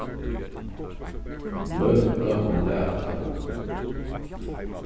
møta og mata